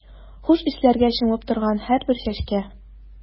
Хуш исләргә чумып торган һәрбер чәчкә.